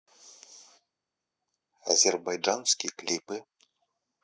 азербайджанские клипы